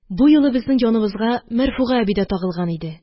Бу юлы безнең янымызга Мәрфуга әби дә тагылган иде